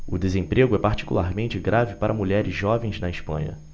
o desemprego é particularmente grave para mulheres jovens na espanha